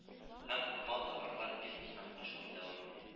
Һәм малтабарлар бизнестан качуын дәвам итә